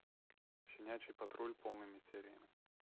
щенячий патруль полными сериями